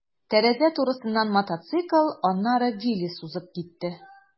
Тәрәзә турысыннан мотоцикл, аннары «Виллис» узып китте.